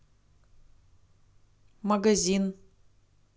магазин